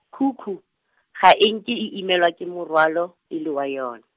khukhu, ga e nke e imelwa ke morwalo, e le wa yone.